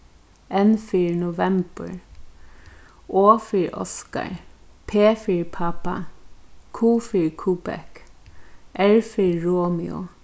n fyri novembur o fyri oscar p fyri papa q fyri quebec r fyri romeo